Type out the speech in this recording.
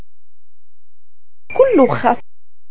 كله